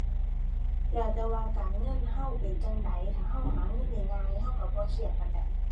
แล้วแต่ว่าการเงินเราเป็นจั่งใด ถ้าเราหาเงินได้ง่าย เราเราบ่เครียดปานใด